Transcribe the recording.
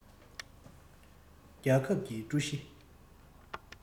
རྒྱལ ཁབ ཀྱི ཀྲུའུ ཞི